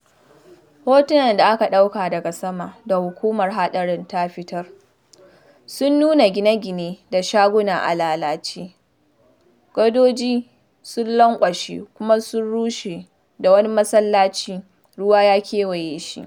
Hotunan da aka ɗauka daga sama da hukumar haɗarin ta fitar sun nuna gine-gine da shaguna a lalace, gadoji sun lankwashe kuma sun rushe da wani masallaci ruwa ya kewaye shi.